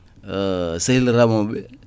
sehil reemoɓe